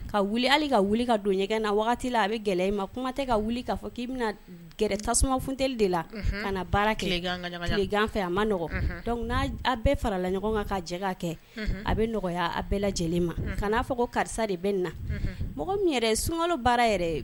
Ka wuli hali ka wuli ka don ɲɛgɛn na waati wagati la a bɛ gɛlɛya i ma kuma tɛ ka wuli k kaa fɔ k'i bɛna gɛrɛ tasuma funtli de la ka na baara kɛlɛganfɛ a ma nɔgɔya n'a a bɛɛ farala ɲɔgɔn kan ka jɛka kɛ a bɛ nɔgɔya a bɛɛ lajɛlen ma ka na fɔ ko karisa de bɛ nin na mɔgɔ min sunkalo baara yɛrɛ